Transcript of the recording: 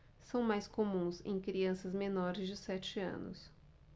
são mais comuns em crianças menores de sete anos